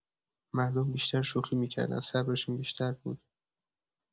مردم بیشتر شوخی می‌کردن، صبرشون بیشتر بود.